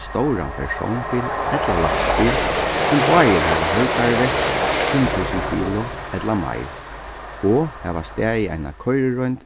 stóran persónbil ella lastbil sum báðir hava heildarvekt fimm túsund kilo ella meir og hava staðið eina koyriroynd